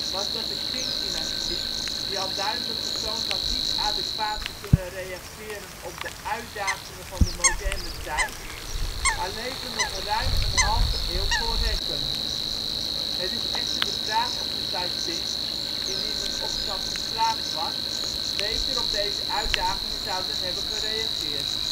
was dat de Qing-dynastie, die al duidelijk getoond had niet adequaat te kunnen reageren op de uitdagingen van de moderne tijd, haar leven nog ruim een halve eeuw kon rekken. Het is echter de vraag of de Taiping, indien hun opstand geslaagd was, beter op deze uitdagingen zouden hebben gereageerd